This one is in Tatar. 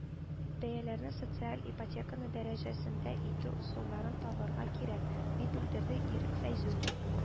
“бәяләрне социаль ипотеканыкы дәрәҗәсендә итү ысулларын табарга кирәк”, - дип белдерде ирек фәйзуллин